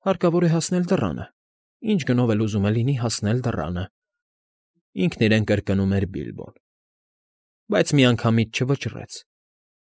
Հարկավոր է հասնել դռանը, ինչ գնով էլ ուզում է լինի հասնել դռանը,֊ ինքն իրեն կրկնում էր Բիլբոն, բայց միանգամից չվճռեց։